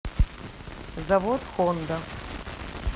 завод honda